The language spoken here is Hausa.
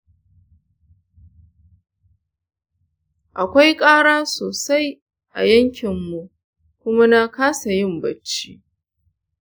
akwai ƙara sosai a yankinmu kuma na kasa yin bacci.